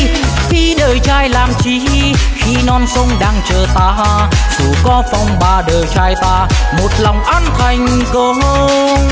phí đời trai làm chi khi non sông đang chờ ta dù có phong ba đời ta một lòng ắt thành công